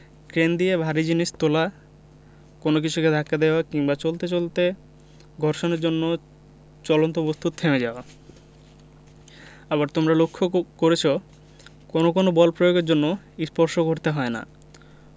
crane দিয়ে ভারী জিনিস তোলা কোনো কিছুকে ধাক্কা দেওয়া কিংবা চলতে চলতে ঘর্ষণের জন্য চলন্ত বস্তুর থেমে যাওয়া আবার তোমরা লক্ষ করেছ কোনো কোনো বল প্রয়োগের জন্য স্পর্শ করতে হয় না